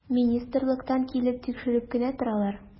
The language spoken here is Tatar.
Министрлыктан килеп тикшереп кенә торалар.